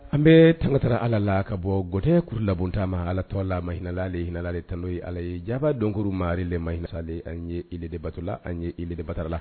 An bɛ tankata ala la ka bɔ gte kuru labubonta ma ala tɔ a la ma hinɛinala ale hinɛinalali tanto ye ala ye jaba donkurumaaɛlɛmaina an yee debatola an yeeli debatala